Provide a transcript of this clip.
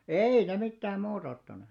ei ne mitään muuta ottaneet